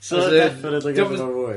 So definitely gath hwnna fwy.